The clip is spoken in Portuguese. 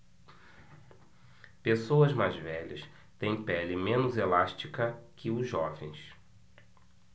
pessoas mais velhas têm pele menos elástica que os jovens